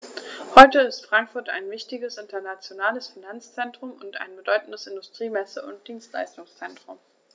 Heute ist Frankfurt ein wichtiges, internationales Finanzzentrum und ein bedeutendes Industrie-, Messe- und Dienstleistungszentrum.